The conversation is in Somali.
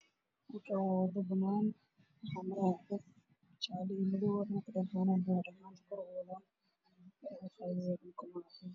halkan waa wado banaan wax maraayo dad wato dhar uu kamid yahay midabka jaalaha